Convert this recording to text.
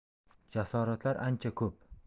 jasoratlar ancha ko'p